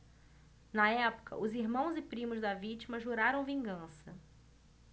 na época os irmãos e primos da vítima juraram vingança